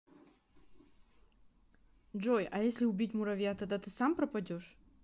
джой а если убить муровья тогда ты сам пропадешь